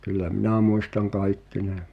kyllä minä muistan kaikki ne